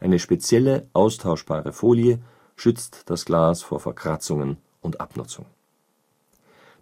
Eine spezielle austauschbare Folie schützt das Glas vor Verkratzungen und Abnutzung.